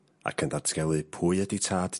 Ac yn ddatgelu pwy ydi tad...